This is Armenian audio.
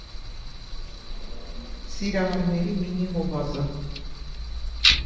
Սիրահարների մինի հովազը։